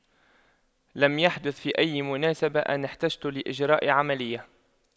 لم يحدث في أي مناسبة إن احتجت لإجراء عملية